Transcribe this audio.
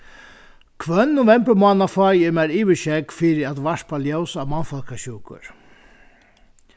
hvønn novembermánað fái eg mær yvirskegg fyri at varpa ljós á mannfólkasjúkur